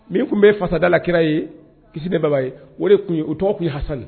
Min tun bɛ ye fasadala kira ye kisi baba ye o de tun ye o tɔgɔ tun ye hasali